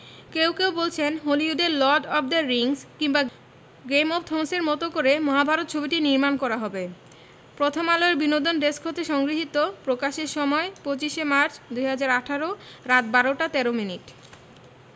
কেউ কেউ বলছেন হলিউডের লর্ড অব দ্য রিংস কিংবা গেম অব থোনস এর মতো করে মহাভারত ছবিটি নির্মাণ করা হবে প্রথমআলো এর বিনোদন ডেস্ক হতে সংগৃহীত প্রকাশের সময় ২৫মার্চ ২০১৮ রাত ১২ টা ১৩ মিনিট